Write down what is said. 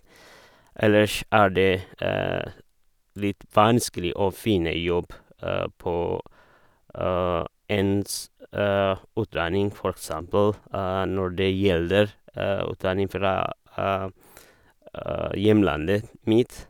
Ellers er det litt vanskelig å finne jobb på ens utdanning, for eksempel når det gjelder utdanning fra hjemlandet mitt.